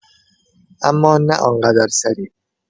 اما نه آنقدر سریع